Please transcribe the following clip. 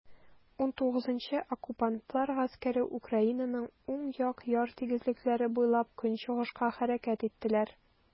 XIX Оккупантлар гаскәре Украинаның уң як яр тигезлекләре буйлап көнчыгышка хәрәкәт иттеләр.